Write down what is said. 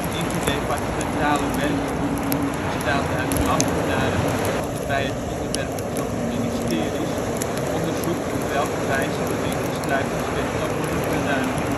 interdepartementale werkgroep, bestaande uit ambtenaren van de bij het onderwerp betrokken ministeries, onderzoekt op welke wijze de Winkelsluitingswet kan worden verruimd